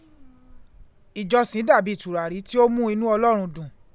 Ìjọsìn dàbí tùràrí tí ó ń mú inú Ọlọ́run dùn.